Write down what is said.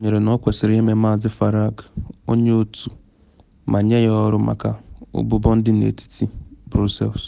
Ọ tụnyere na ekwesịrị ịme Maazị Farage onye otu ma nye ya ọrụ maka ụbụbọ dị n’etiti Brussels.